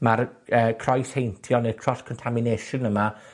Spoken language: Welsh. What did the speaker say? Ma'r yy croes heintio ne'r cross contamination yma